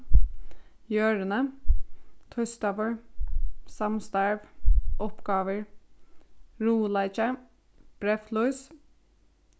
jørðini týsdagur samstarv uppgávur ruðuleiki breyðflís